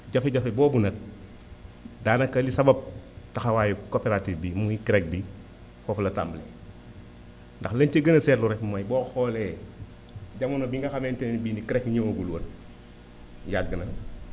jafe-jafe boobu nag daanaka li sabab taxawaayu coopérative bi muy CREC bi foofu la tàmbalee ndax lañ ca gën a seetlu rek mooy boo xoolee jamono bi nga xamante ni bi CREC ñëwagul woon yàgg na